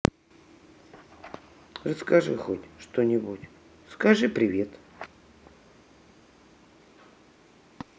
расскажи хоть что нибудь скажи привет